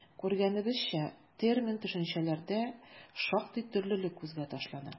Күргәнебезчә, термин-төшенчәләрдә шактый төрлелек күзгә ташлана.